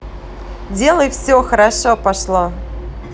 делай все хорошо прошло